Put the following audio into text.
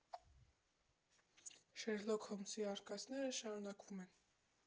Շերլոք Հոլմսի արկածները շարունակվում են։